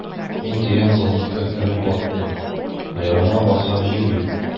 Мин тирән сазлыкка кереп баттым, аягыма басар җир юк.